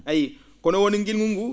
a yiyii kono woni ngilngu nguu